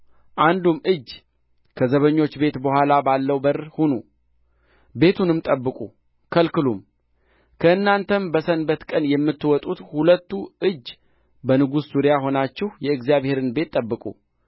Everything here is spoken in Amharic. አንዱም እጅ ከዘበኞች ቤት በኋላ ባለው በር ሁኑ ቤቱንም ጠብቁ ከልክሉም ከእናንተም በሰንበት ቀን የምትወጡት ሁለቱ እጅ በንጉሥ ዙሪያ ሆናችሁ የእግዚአብሔርን ቤት ጠብቁ